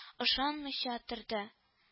Ышанмыйча торды